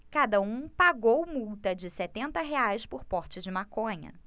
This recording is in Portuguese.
cada um pagou multa de setenta reais por porte de maconha